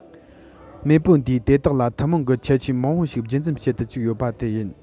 མེས པོ འདིའི དེ དག ལ ཐུན མོང གི ཁྱད ཆོས མང པོ ཞིག རྒྱུད འཛིན བྱེད དུ བཅུག ཡོད པ དེ ཡིན